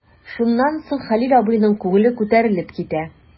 Шуннан соң Хәлил абыйның күңеле күтәрелеп китә.